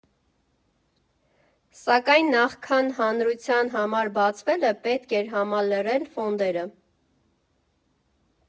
Սակայն նախքան հանրության համար բացվելը պետք էր համալրել ֆոնդերը։